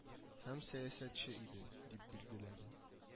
Һәм сәясәтче иде, дип билгеләде